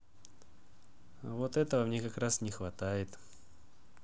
вот этого мне как раз не хватает